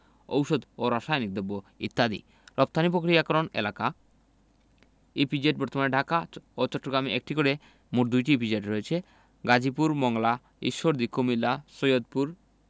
ঔষধ ও রাসায়নিক দ্রব্য ইত্যাদি রপ্তানি প্রক্রিয়াকরণ এলাকাঃ ইপিজেড বর্তমানে ঢাকা ও চট্টগ্রামে একটি করে মোট ২টি ইপিজেড রয়েছে গাজীপুর মংলা ঈশ্বরদী কুমিল্লা সৈয়দপুর